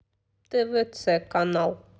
твц канал